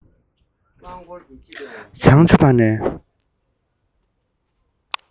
བྱང ཆུབ པ ནས